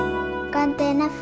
con tên pha